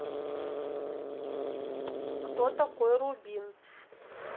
кто такой рубин